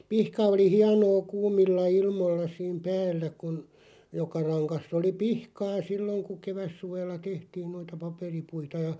pihka oli hienoa kuumilla ilmoilla siinä päällä kun joka rangassa oli pihkaa silloin kun kevätsuvella tehtiin noita paperipuita ja